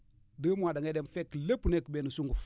deux mois da ngay dem fekk lépp nekk benn sunguf